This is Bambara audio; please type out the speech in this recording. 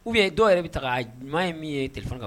U bɛ dɔw yɛrɛ bɛ ta ɲuman ye min ye terikɛfana kan